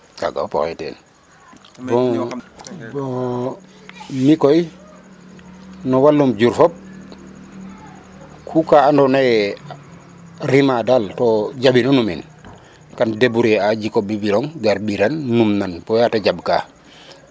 Kaaga fop oxey teen bon mi' koy no walum jur fop ku andoona yee rima daal to jaɓiro a numin kaam débrouiller a jik o biiborong gar ɓiran numnan boya ta jaɓka.